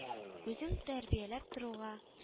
Үзең тәрбияләп торуга